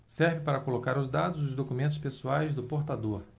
serve para colocar os dados dos documentos pessoais do portador